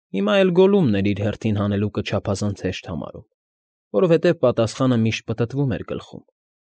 Հիմա էլ Գոլլումն էր իր հերթին հանելուկը չափազանց հեշտ համարում, որովհետև պատասխանը միշտ պտտվում էր գլխում։